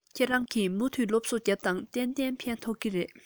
ཁྱེད རང གིས མུ མཐུད སློབ གསོ རྒྱོབས དང གཏན གཏན ཕན ཐོགས ཀྱི རེད